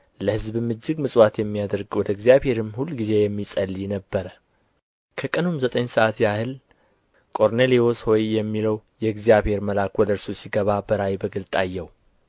እጅግ ምጽዋት የሚያደርግ ወደ እግዚአብሔርም ሁልጊዜ የሚጸልይ ነበረ ከቀኑም ዘጠኝ ሰዓት ያህል ቆርኔሌዎስ ሆይ የሚለው የእግዚአብሔር መልአክ ወደ እርሱ ሲገባ በራእይ በግልጥ አየው